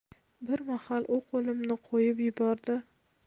bir mahal u qo'limni qo'yib yubordi